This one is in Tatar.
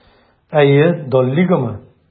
Әйе, Доллигамы?